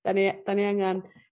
'Dan ni a- 'dan ni angan